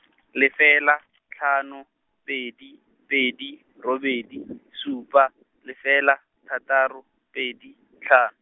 lefela, tlhano, pedi, pedi, robedi, supa, lefela, thataro, pedi, tlha-.